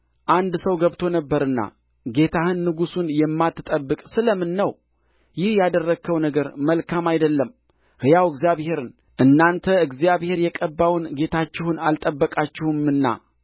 አንድ ሰው ገብቶ ነበርና ጌታህን ንጉሡን የማትጠብቅ ስለ ምን ነው ይህ ያደረግኸው ነገር መልካም አይደለም ሕያው እግዚአብሔርን እናንተ እግዚአብሔር የቀባውን ጌታችሁን አልጠበቃችሁምና